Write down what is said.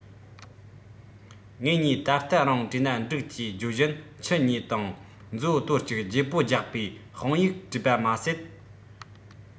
ངེད གཉིས ད ལྟ རང བྲིས ན འགྲིག ཅེས བརྗོད བཞིན ཁྱི གཉིས དང མཛོ དོར གཅིག བརྗེ པོ རྒྱག པའི དཔང ཡིག བྲིས པ མ ཟད